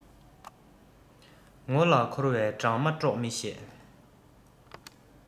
ངོ ལ འཁོར བའི སྦྲང མ དཀྲོག མི ཤེས